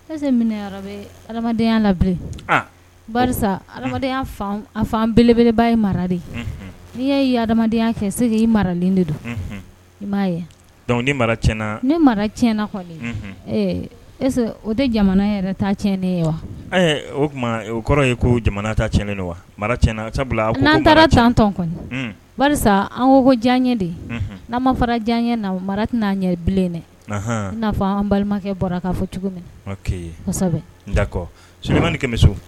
Se minɛ bɛdenya la an fan belebeleba ye mara de n'i' ye adamadenya kɛ se maralen de don i m' ye dɔnku ni mara tiɲɛna ne mara tiɲɛna o tɛ jamana yɛrɛ ta ti ne ye wa o tuma o kɔrɔ ye ko jamana ta tien wa maraɲɛna n'an taara catɔn kɔni ba an ko ko diya ye de n'an ma fara diya ye na mara tɛna n'an ɲɛ bilen dɛ n'a fɔ an balimakɛ bɔra k'a fɔ cogo min dakɔ so